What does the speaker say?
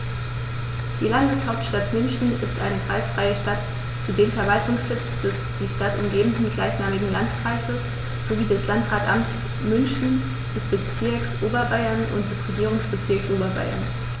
Die Landeshauptstadt München ist eine kreisfreie Stadt, zudem Verwaltungssitz des die Stadt umgebenden gleichnamigen Landkreises sowie des Landratsamtes München, des Bezirks Oberbayern und des Regierungsbezirks Oberbayern.